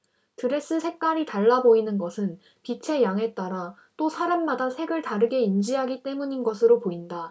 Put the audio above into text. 드레스 색깔이 달라 보이는 것은 빛의 양에 따라 또 사람마다 색을 다르게 인지하기 때문인 것으로 보인다